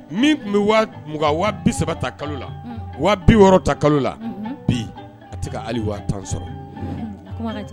Min tun bɛ waa sɛbɛn ta kalo la waa bi wɔɔrɔ ta kalo la bi a tɛ ali waa tan sɔrɔ